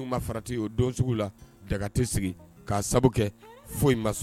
Farati daga k'a foyi ma